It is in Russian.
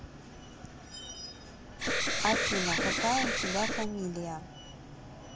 афина какая у тебя фамилия